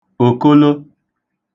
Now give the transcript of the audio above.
òkolo